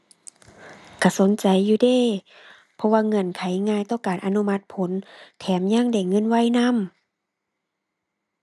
ก็สนใจอยู่เดะ เพราะว่าเงื่อนไขง่ายต่อการอนุมัติผล แถมยังได้เงินไวนำ